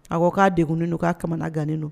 A ko k'a degkunin don k'a kamana gannen don